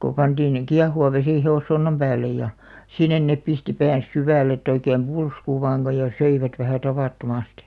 kun pantiin kiehuva vesi hevossonnan päälle ja sinne ne pisti päänsä syvälle että oikein pulskui vain kun ja söivät vähän tavattomasti